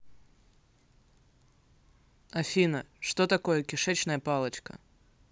афина что такое кишечная палочка